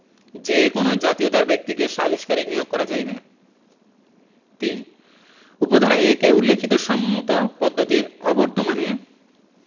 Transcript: যে কোন জাতীয়তার ব্যক্তিকে সালিসকারী নিয়োগ করা যাইবে ৩ উপ ধারা ১ এ উল্লেখিত সম্মত পদ্ধতির অবর্তমানে